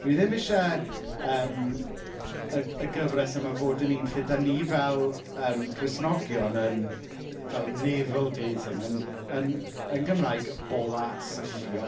Dwi ddim isie yym y y gyfres yma fod yn un lle dan ni fel yym Cristnogion, yn yy fel navel-gazing, yn yn yn Gymraeg bola syllio.